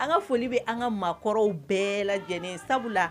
An ka foli bɛ an ka maakɔrɔw bɛɛ lajɛlen ye sabula